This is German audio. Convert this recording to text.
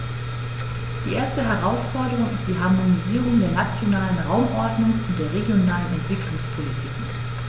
Die erste Herausforderung ist die Harmonisierung der nationalen Raumordnungs- und der regionalen Entwicklungspolitiken.